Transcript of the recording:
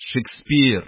Шекспир!